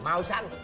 màu xanh